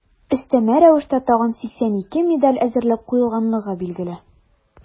Өстәмә рәвештә тагын 82 медаль әзерләп куелганлыгы билгеле.